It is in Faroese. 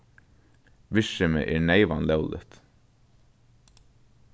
virksemið er neyvan lógligt